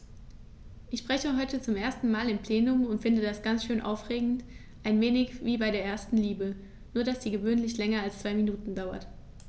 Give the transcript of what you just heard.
Ich spreche heute zum ersten Mal im Plenum und finde das ganz schön aufregend, ein wenig wie bei der ersten Liebe, nur dass die gewöhnlich länger als zwei Minuten dauert.